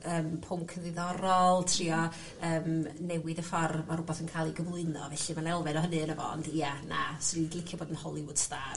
yym pwnc yn ddiddorol trio yym newid y ffor ma' rwbath yn ca'l 'i gyflwyno felly ma' 'na elfen o hynny yn'o fo ond ia na swn i 'di licio bod yn Holywood star.